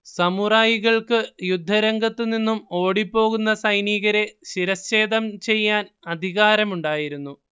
സമുറായികൾക്ക് യുദ്ധരംഗത്തുനിന്നും ഓടിപ്പോകുന്ന സൈനികരെ ശിരസ്ഛേദം ചെയ്യാൻ അധികാരമുണ്ടായിരുന്നു